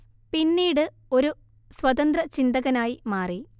പിന്നീട് ഒരു സ്വതന്ത്ര ചിന്തകനായി മാറി